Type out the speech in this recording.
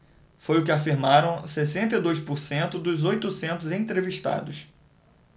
foi o que afirmaram sessenta e dois por cento dos oitocentos entrevistados